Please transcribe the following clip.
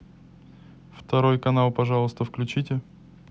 второй канал пожалуйста включите